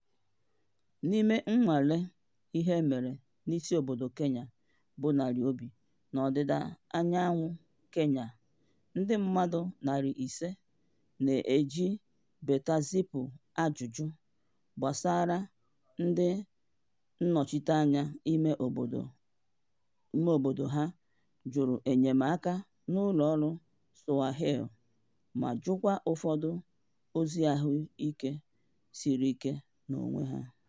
N’ime nnwale ihe e mere n'isi obodo Kenya bụ Nairobi na ọdịdaanyanwụ Kenya, ndị mmadụ narị isii na-eji beta zipụ ajụjụ gbasara ndị nnọchiteanya ime obodo ha jụrụ enyemaaka n'ụlọ ọrụ Swahili, ma jụkwa ụfọdụ ozi ahụike siri ike n'onwe ha.